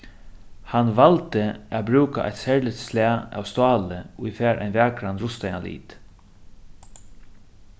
hann valdi at brúka eitt serligt slag av stáli ið fær ein vakran rustaðan lit